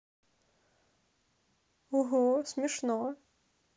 угу смешно